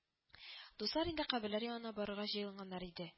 Дуслар инде каберләр янына барырга җыенганнар иде